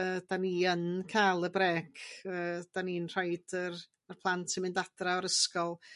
Yy 'dan ni yn ca'l y brêc yy 'dan ni'n rhoid yr y plant i mynd adra o'r ysgol.